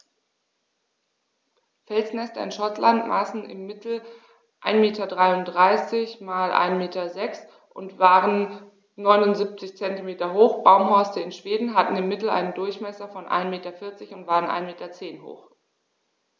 Felsnester in Schottland maßen im Mittel 1,33 m x 1,06 m und waren 0,79 m hoch, Baumhorste in Schweden hatten im Mittel einen Durchmesser von 1,4 m und waren 1,1 m hoch.